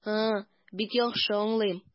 А, бик яхшы аңлыйм.